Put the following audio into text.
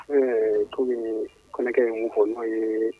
Ɛɛ tu kanakɛ mun fɔ no ye